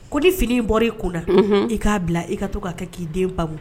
Ko ni fini bɔra i kun la i k'a bila i ka to'a kɛ k'i den baa